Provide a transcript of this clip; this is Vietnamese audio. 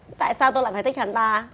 tại sao tôi lại phải thích hắn ta